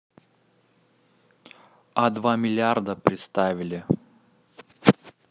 а два миллиарда приставили